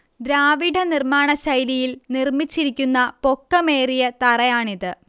ദ്രാവിഡ നിർമ്മാണശൈലിയിൽ നിർമ്മിച്ചിരിക്കുന്ന പൊക്കമേറിയ തറയാണിത്